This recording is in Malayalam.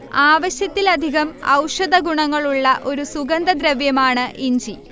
ആവശ്യത്തിലധികം ഔഷധഗുണങ്ങളുള്ള ഒരു സുഗന്ധദ്രവ്യമാണ് ഇഞ്ചി